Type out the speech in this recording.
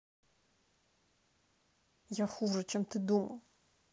я хуже чем ты думал